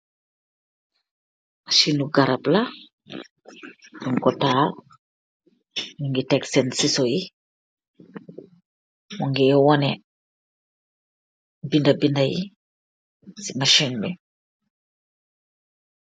Machinu garab la yum ko taaw ni ngi teg seen ciso yi mu ngi wone binda-binda yi ci machin bi.